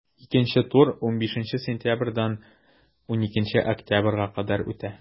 Икенче тур 15 сентябрьдән 12 октябрьгә кадәр үтә.